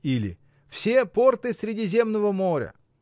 — или: — все порты Средиземного моря.